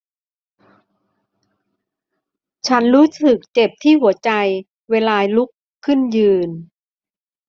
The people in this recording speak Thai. ฉันรู้สึกเจ็บที่หัวใจเวลาลุกขึ้นยืน